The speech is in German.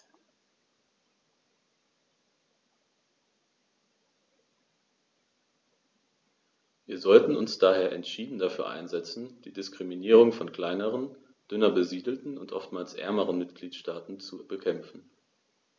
Wir sollten uns daher entschieden dafür einsetzen, die Diskriminierung von kleineren, dünner besiedelten und oftmals ärmeren Mitgliedstaaten zu bekämpfen.